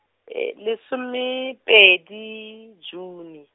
lesomepedi, June.